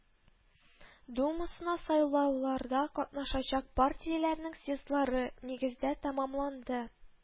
Думасына сайлауларда катнашачак партияләрнең съездлары, нигездә, тәмамланды